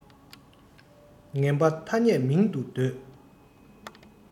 ངན པ ཐ ཆད མིང དུ འདོད